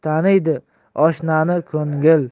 taniydi oshnani ko'ngil